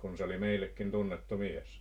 kun se oli meillekin tunnettu mies